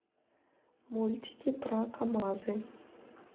мультики про камазы